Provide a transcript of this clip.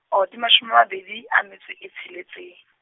oh, di mashome a mabedi, a metso e tsheletseng.